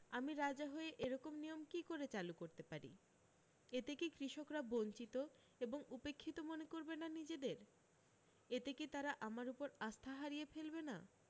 আমি রাজা হয়ে এরকম নিয়ম কী করে চালু করতে পারি এতে কী কৃষকরা বঞ্চিত এবং উপেক্ষিত মনে করবে না নিজেদের এতে কী তারা আমার উপর আস্থা হারিয়ে ফেলবে না